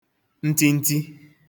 ntinti